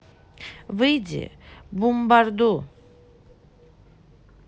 выйди бумбарду